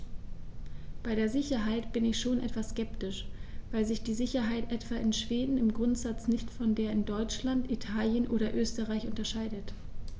Bei der Sicherheit bin ich schon etwas skeptisch, weil sich die Sicherheit etwa in Schweden im Grundsatz nicht von der in Deutschland, Italien oder Österreich unterscheidet.